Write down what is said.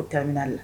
Terminal la